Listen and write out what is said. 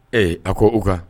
Ee a kow kan